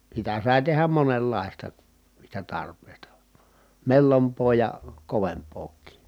sitä sai tehdä monenlaista niistä tarpeista mellompaa ja kovempaakin